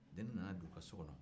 deni nana don u ka so kɔnɔ